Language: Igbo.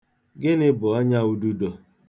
Gịnị bụ ọnyaududo?